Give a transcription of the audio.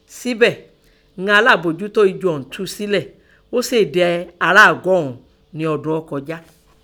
Sẹ́bẹ̀, ìnan alábòójútó ẹjù tú u sílẹ̀, ọ́ sèè dẹ aráa àgọ́ ọ̀ún nẹ́ ọdún ọ́ kọjá.